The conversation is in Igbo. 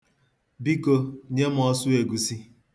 Biko, nye m ọsụegusi.